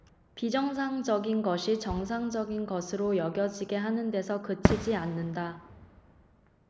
비정상적인 것이 정상적인 것으로 여겨지게 하는 데서 그치지 않는다